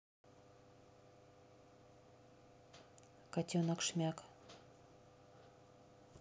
котенок шмяк